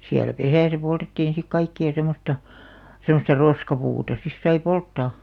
siellä pesässä poltettiin sitten kaikkia semmoista semmoista roskapuuta sitten sai polttaa